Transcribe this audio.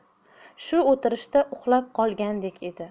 shu o'tirishda uxlab qolgandek edi